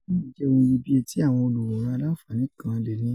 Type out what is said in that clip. Iyijade jẹ ohun iyebiye ti awọn oluworan alanfaani kan leni.